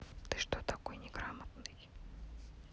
ты что такой неграмотный